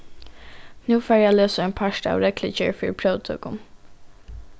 nú fari eg at lesa ein part av reglugerð fyri próvtøkum